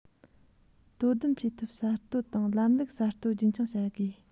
དོ དམ བྱེད ཐབས གསར གཏོད དང ལམ ལུགས གསར གཏོད རྒྱུན འཁྱོངས བྱ དགོས